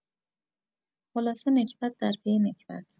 خلاصه نکبت در پی نکبت!